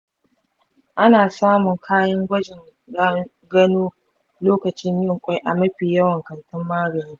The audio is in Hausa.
ana samun kayan gwajin gano lokacin yin ƙwai a mafi yawan kantin magani .